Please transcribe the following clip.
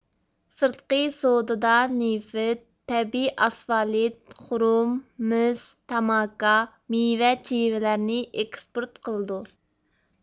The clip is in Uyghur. سىرتقى سودىدا نېفىت تەبىئىي ئاسفالت خۇرۇم مىس تاماكا مېۋە چىۋىلەرنى ئېكسپورت قىلىدۇ